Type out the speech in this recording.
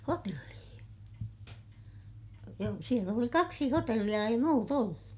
hotelleihin joo siellä oli kaksi hotellia ei muuta ollut